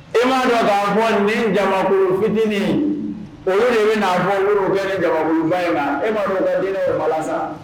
E m'a sɔrɔ k'a fɔ nin ja fitinin olu de bɛa fɔ bɛ nin jaba in la e m'atinɛ ye bala sa